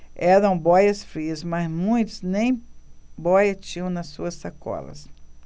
eram bóias-frias mas muitos nem bóia tinham nas suas sacolas